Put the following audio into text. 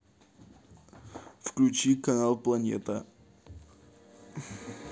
включи канал планета